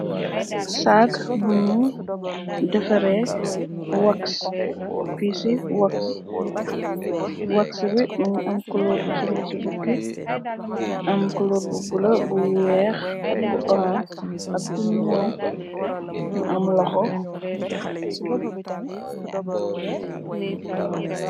Saag buñu defaree wags, pisi wags, wagsi bi mi ngi am kuloor bu suguusi bukki, am kuloor bu bula, bu weex ak bu orange, ak bu ñuon mu am loxo.